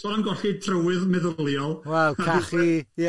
So am golli trywydd meddyliol. Wel, cachu, ie!